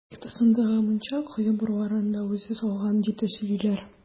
Ихатасындагы мунча, кое бураларын да үзе салган, дип тә сөйлиләр.